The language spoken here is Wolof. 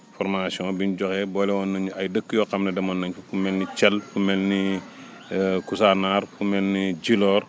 formation bi ñu joxe bëri woon nañu ay dëkk yoo xam ne demoon nañ fa fu mel ni Thièl fu mel ni Kousanar fu mel ni Djilor